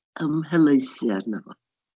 Ymhelaethu arno fo.